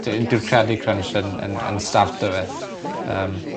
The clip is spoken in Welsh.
dyw n-... Dyw'r Credit Crunch yn yn yn start o fe. Yym.